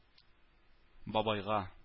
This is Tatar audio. Бабайга